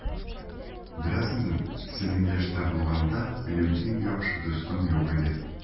Беләсеңме, синең яшьтә булганда, минем иң яхшы дустым юк иде.